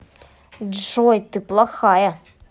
джой ты плохая